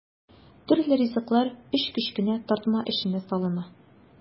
Төрле ризыклар өч кечкенә тартма эченә салына.